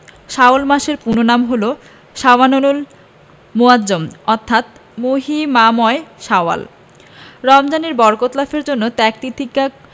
শাওয়াল মাসের পূর্ণ নাম হলো শাওয়ালুল মুআজ্জম অর্থাৎ মহিমাময় শাওয়াল রমজানের বরকত লাভের জন্য ত্যাগ তিতিক্ষা